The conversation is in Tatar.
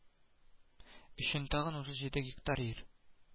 Өчен тагын утыз җиде гектар ир